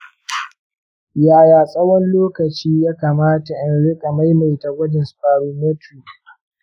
yaya tsawon lokaci ya kamata in riƙa maimaita gwajin spirometry?